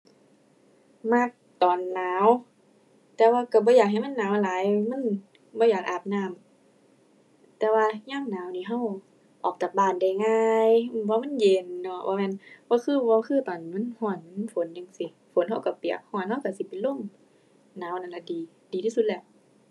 มักตอนหนาว แต่ว่าก็บ่อยากให้มันหนาวหลาย มันบ่อยากอาบน้ำ แต่ว่ายามหนาวนี่ก็ออกจากบ้านได้ง่าย อือ เพราะมันเย็นเนาะ บ่แม่น บ่คือ บ่คือตอนมันก็ มันฝนจั่งซี้ ฝนก็ก็เปียก ก็ก็ก็สิเป็นลม หนาวนั่นล่ะดี ดีที่สุดแล้ว